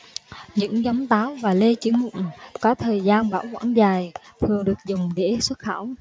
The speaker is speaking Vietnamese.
những giống táo và lê chín muộn có thời gian bảo quản dài thường được dùng để xuất khẩu